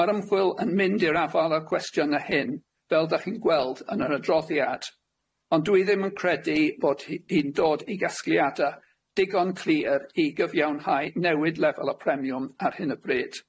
Ma'r ymchwil yn mynd i'r afael â'r gwestiyna hyn fel dach chi'n gweld yn yr adroddiad ond dwi ddim yn credu bod hi'n dod i gasgliada digon clir i gyfiawnhau newid lefel y premiwm ar hyn y bryd.